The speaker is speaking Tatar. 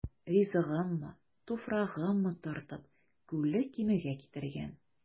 Ризыгыммы, туфрагыммы тартып, Күлле Кимегә китергән.